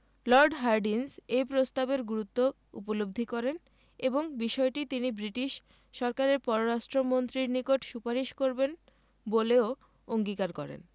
Lord Hardinge এ প্রস্তাবের গুরুত্ব উপলব্ধি করেন এবং বিষয়টি তিনি ব্রিটিশ সরকারের পররাষ্ট্র মন্ত্রীর নিকট সুপারিশ করবেন বলেও অঙ্গীকার করেন